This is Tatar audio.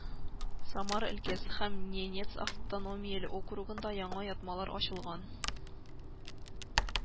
Самара өлкәсе һәм Ненец автономияле округында яңа ятмалар ачылган